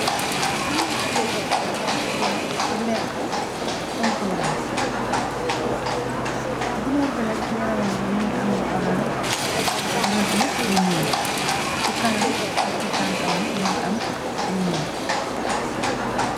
Gunur bi mu gi taxaw ci garab di lekka tontuuram gunoor bi nag ci yaramam bi mënga am lu orance ak rëde yi ñool ci kanam ak si tanka mi mëngi am lu ñool.